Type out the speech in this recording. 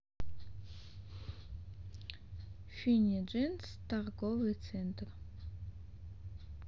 funny things торговый центр